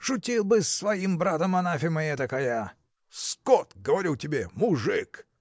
Шутил бы с своим братом, анафема этакая! скот, говорю тебе, мужик!